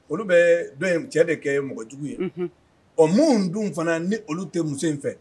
Olu bɛ dɔ in cɛ de kɛ mɔgɔ jugu ye , unhun , ɔ minnu dun fana ni olu tɛ muso in fɛ